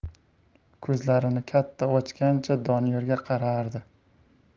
ko'zlarini katta ochgancha doniyorga qarardi